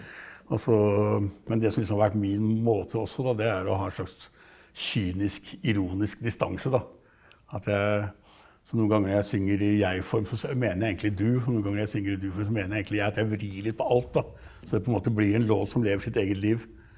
også men det som liksom har vært min måte også da det er å ha en slags kynisk, ironisk distanse da at jeg så noen ganger når jeg synger i jeg-form så mener jeg egentlig du og noen ganger når jeg synger i du-form så mener jeg egentlig jeg, at jeg vrir litt på alt da, så det på en måte blir en låt som lever sitt eget liv.